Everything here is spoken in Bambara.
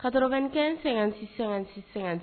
Karɔkɛ sɛgɛn sisan-